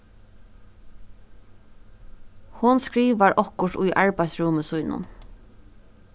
hon skrivar okkurt í arbeiðsrúmi sínum